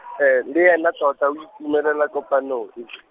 le ene tota a itumelela kopano e .